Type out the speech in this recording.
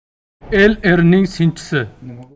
el erning sinchisi